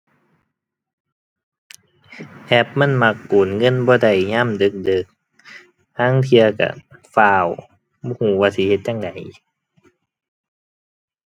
แอปมันมักโอนเงินบ่ได้ยามดึกดึก ลางเทื่อก็ฟ้าว บ่ก็ว่าสิเฮ็ดจั่งใด